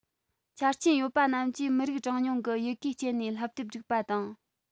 ཆ རྐྱེན ཡོད པ རྣམས ཀྱིས མི རིགས གྲངས ཉུང གི ཡི གེ སྤྱད ནས བསླབ དེབ བསྒྲིགས པ དང